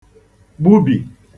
gbubì